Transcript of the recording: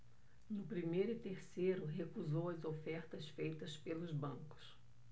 no primeiro e terceiro recusou as ofertas feitas pelos bancos